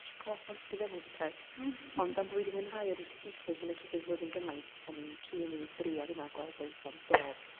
neshim ca'l lot o amsar i feddwl am y peth ond am bo fi 'di mwynhau'r thesis yn y trydydd flwyddyn gymaint o'n i'n keen i drio hynna gweld be sa'n dod